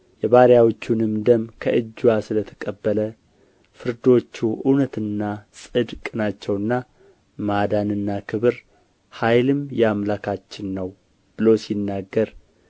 የባሪያዎቹንም ደም ከእጅዋ ስለ ተበቀለ ፍርዶቹ እውነትና ጽድቅ ናቸውና ማዳንና ክብር ኃይልም የአምላካችን ነው ብሎ ሲናገር